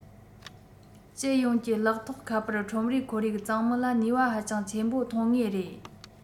སྤྱི ཡོངས ཀྱི ལག ཐོགས ཁ པར ཁྲོམ རའི ཁོར ཡུག གཙང མིན ལ ནུས པ ཧ ཅང ཆེན པོ ཐོན ངེས རེད